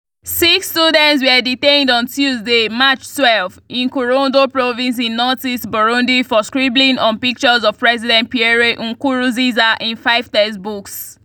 Six students were detained on Tuesday, March 12, in Kirundo province in northeast Burundi for scribbling on pictures of President Pierre Nkurunziza in five textbooks.